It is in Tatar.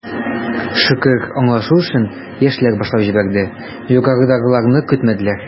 Шөкер, аңлашу эшен, яшьләр башлап җибәрде, югарыдагыларны көтмәделәр.